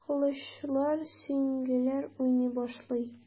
Кылычлар, сөңгеләр уйный башлый.